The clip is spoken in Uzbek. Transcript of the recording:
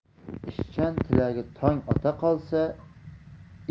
ishchan tilagi tong ota qolsa